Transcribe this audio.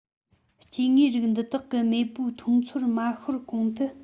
སྐྱེ དངོས རིགས འདི དག གི མེས པོའི མཐོང ཚོར མ ཤོར གོང དུ